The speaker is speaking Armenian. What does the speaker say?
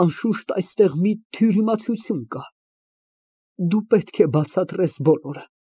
Անշուշտ այստեղ մի թյուրիմացություն կա։ Դու պետք է բացատրես բոլորը։